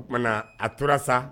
O tumana na a tora sa